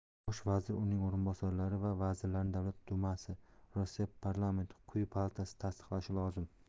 bosh vazir uning o'rinbosarlari va vazirlarni davlat dumasi rossiya parlamenti quyi palatasi tasdiqlashi lozim